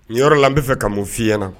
Nin yɔrɔ la n bɛ fɛ ka mun fɔ i ɲɛna.